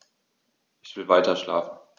Ich will weiterschlafen.